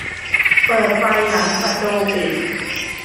เปิดไฟหลังประตูปิด